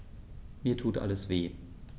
Mir tut alles weh.